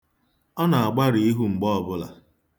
Ọ na-agbarụ ihu mgbe ọbụla.